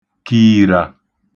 kììrà